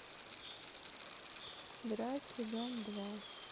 драки дом два